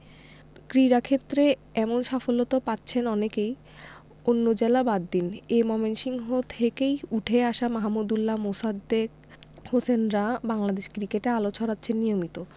ক্রীড়াক্ষেত্রে এমন সাফল্য তো পাচ্ছেন অনেকেই অন্য জেলা বাদ দিন এ ময়মনসিংহ থেকেই উঠে আসা মাহমুদউল্লাহ মোসাদ্দেক হোসেনরা বাংলাদেশ ক্রিকেটে আলো ছড়াচ্ছেন নিয়মিত